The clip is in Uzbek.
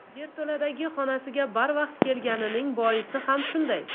yerto'ladagi xonasiga barvaqt kelganining boisi ham shunday